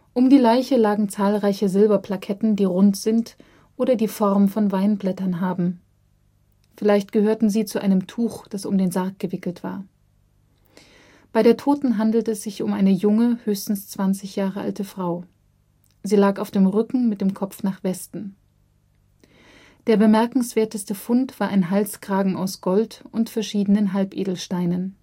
Um die Leiche lagen zahlreiche Silberplaketten, die rund sind oder die Form von Weinblättern haben. Vielleicht gehörten sie zu einem Tuch, das um den Sarg gewickelt war. Bei der Toten handelte es sich um eine junge, höchstens 20 Jahre alte Frau. Sie lag auf dem Rücken mit dem Kopf nach Westen. Der bemerkenswerteste Fund war ein Halskragen aus Gold und verschiedenen Halbedelsteinen